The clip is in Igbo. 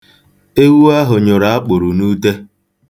Ewu ahụ nyụrụ akpụrụ n'ute.